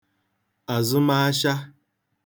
àzụmasha